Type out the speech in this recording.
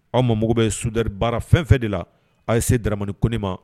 Aw ma mago bɛ sudiri baara fɛnfɛ de la a' yese dramani ko ma